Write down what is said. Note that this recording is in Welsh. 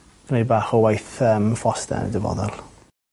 wneud bach o waith yym ffoster yn y dyfoddol.